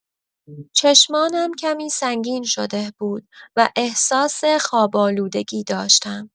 چشمانم کمی سنگین شده بود و احساس خواب‌آلودگی داشتم.